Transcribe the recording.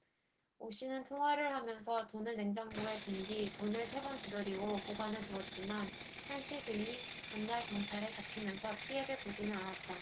오씨는 통화를 하면서 돈을 냉장고에 둔 뒤 문을 세 번 두드리고 보관해 두었지만 한씨 등이 전날 경찰에 잡히면서 피해를 보지는 않았다